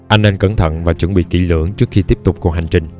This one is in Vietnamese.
anh nên cẩn thận và chuẩn bị kỹ lưỡng trước khi tiếp tục cuộc hành trình